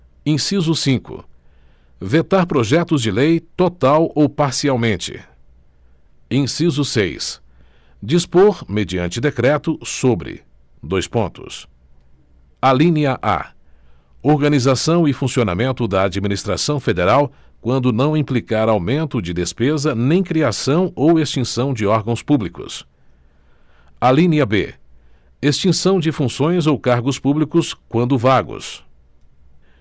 inciso cinco vetar projetos de lei total ou parcialmente inciso seis dispor mediante decreto sobre dois pontos alínea a organização e funcionamento da administração federal quando não implicar aumento de despesa nem criação ou extinção de órgãos públicos alínea b extinção de funções ou cargos públicos quando vagos